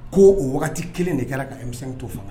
Ko o waati 1 de kɛra ka M5 to fanga la.